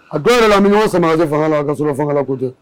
A dɔw yɛrɛ la a ɲɔgɔn samajɛ fanga la ka sɔrɔ fangala ko tɛ